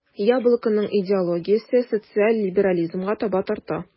"яблоко"ның идеологиясе социаль либерализмга таба тарта.